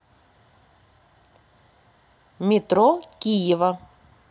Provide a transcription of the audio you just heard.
метро киева